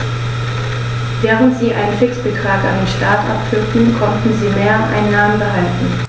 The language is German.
Während sie einen Fixbetrag an den Staat abführten, konnten sie Mehreinnahmen behalten.